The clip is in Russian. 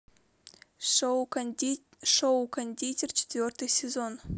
шоу кондитер четвертый сезон